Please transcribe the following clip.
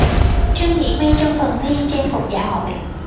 trương thị may trong phần thi trang phục dạ hội